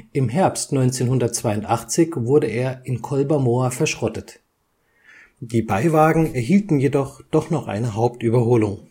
Im Herbst 1982 wurde er in Kolbermoor verschrottet. Die Beiwagen erhielten jedoch doch noch eine Hauptüberholung